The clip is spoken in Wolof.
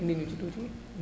ñëw ci tuuti